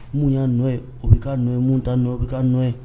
Mun y'a nɔ ye o bɛ ka ye mun ta nɔ o bɛ ka nɔ ye